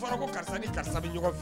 Fɔra ko karisa ni karisa ɲɔgɔn fɛ